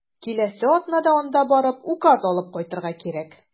Киләсе атнада анда барып, указ алып кайтырга кирәк.